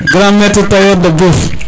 Grand maitre tailleur de Mbof